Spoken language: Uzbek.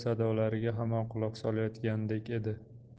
sadolariga hamon quloq solayotgandek edi